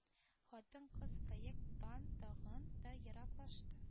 Хатын-кыз проект тан тагын да ераклашты